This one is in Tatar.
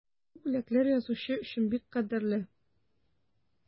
Бу бүләкләр язучы өчен бик кадерле.